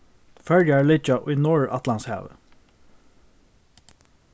føroyar liggja í norðuratlantshavi